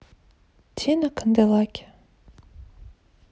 тина канделаки